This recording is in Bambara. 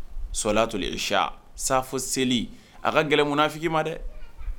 So to safo seli a ka gɛlɛnkunfi ma dɛ